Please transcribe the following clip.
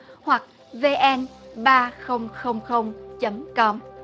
hoặc vê en ba không không không chấm com